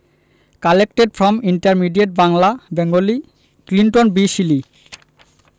collected from intermediate Bangla Bengali Clinton B Seely